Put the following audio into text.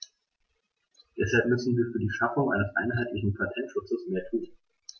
Deshalb müssen wir für die Schaffung eines einheitlichen Patentschutzes mehr tun.